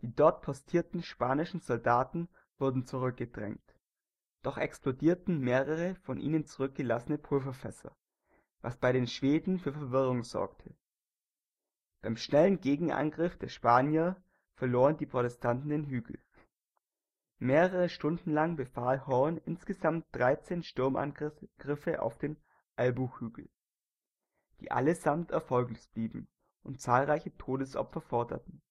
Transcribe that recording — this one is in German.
dort postierten spanischen Soldaten wurden zurückgedrängt, doch explodierten mehrere von ihnen zurückgelassene Pulverfässer, was bei den Schweden für Verwirrung sorgte. Beim schnellen Gegenangriff der Spanier verloren die Protestanten den Hügel. Mehrere Stunden lang befahl Horn insgesamt dreizehn Sturmangriffe auf den Albuch-Hügel, die allesamt erfolglos blieben und zahlreiche Todesopfer forderten